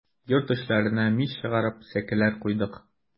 Йорт эчләренә мич чыгарып, сәкеләр куйдык.